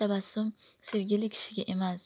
tabassum sevgili kishisiga emas